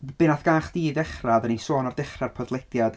Be wnaeth gael chdi i ddechrau, oedden ni'n sôn ar ddechrau'r podlediad...